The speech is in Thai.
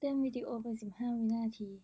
เลื่อนวีดีโอไปสิบห้าวินาที